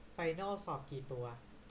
ไฟนอลสอบกี่ตัว